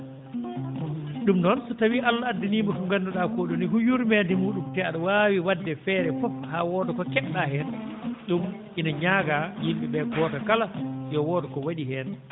ɗum noon so tawii Allah addaniima ko ngannduɗaa ko ɗoo ni ko yurmeende muɗum te aɗa waawi wadde feere foof ha wooda ko keɓɗa heen ɗum ina ñaagaa yimɓe ɓee goto kala yo wood ko waɗi heen